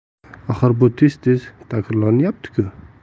axir bu tez tez takrorlanyaptiku